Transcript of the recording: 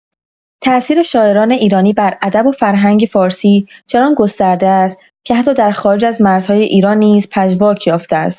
تاثیر شاعران ایرانی بر ادب و فرهنگ فارسی چنان گسترده است که حتی در خارج از مرزهای ایران نیز پژواک یافته است.